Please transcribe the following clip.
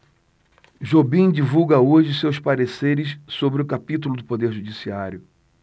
jobim divulga hoje seus pareceres sobre o capítulo do poder judiciário